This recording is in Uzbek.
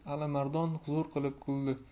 alimardon huzur qilib kuldi